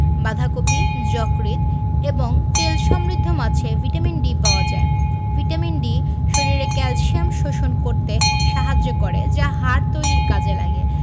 বাঁধাকপি যকৃৎ এবং তেল সমৃদ্ধ মাছে ভিটামিন D পাওয়া যায় ভিটামিন D শরীরে ক্যালসিয়াম শোষণ করতে সাহায্য করে যা হাড় তৈরীর কাজে লাগে